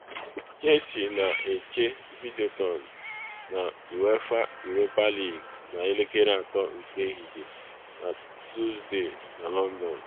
Chelsea na eche Videoton na UEFA Europa League na elekere 3 nke ehihie na Tọsde na London.